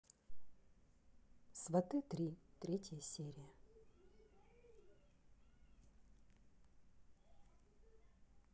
сваты три третья серия